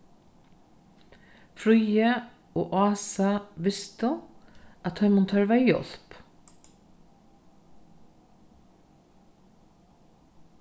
fríði og ása vistu at teimum tørvaði hjálp